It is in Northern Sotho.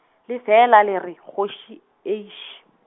le fela le re kgoši eeiši.